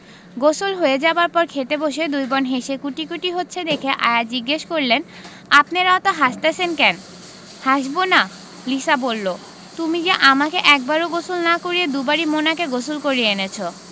গোসল হয়ে যাবার পর খেতে বসে দুই বোন হেসে কুটিকুটি হচ্ছে দেখে আয়া জিজ্ঞেস করলেন আপনেরা অত হাসতাসেন ক্যান হাসবোনা লিসা বললো তুমি যে আমাকে একবারও গোসল না করিয়ে দুবারই মোনাকে গোসল করিয়ে এনেছো